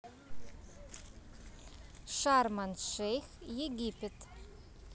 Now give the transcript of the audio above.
шарман шейх египет